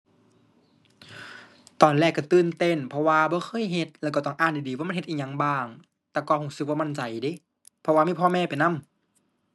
ตอนแรกก็ตื่นเต้นเพราะว่าบ่เคยเฮ็ด แล้วก็ต้องอ่านดีดีว่ามันเฮ็ดอิหยังบ้าง ⁠แต่ก็ก็สึกว่ามั่นใจเดะ เพราะว่ามีพ่อแม่ไปนำ ⁠